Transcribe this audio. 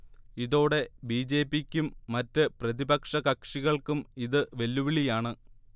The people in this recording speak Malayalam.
ഇതോടെ ബി. ജെ. പി. ക്കും മറ്റ് പ്രതിപക്ഷ കക്ഷികൾക്കും ഇത് വെല്ലുവിളിയാണ്